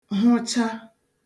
hụcha